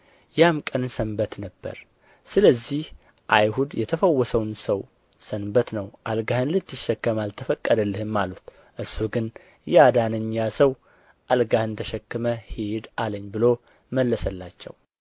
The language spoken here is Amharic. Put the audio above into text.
ያም ቀን ሰንበት ነበረ ስለዚህ አይሁድ የተፈወሰውን ሰው ሰንበት ነው አልጋህንም ልትሸከም አልተፈቀደልህም አሉት እርሱ ግን ያዳነኝ ያ ሰው አልጋህን ተሸክመህ ሂድ አለኝ ብሎ መለሰላቸው